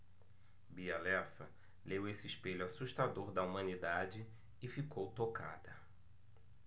bia lessa leu esse espelho assustador da humanidade e ficou tocada